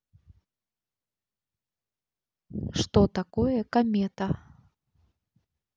что такое комета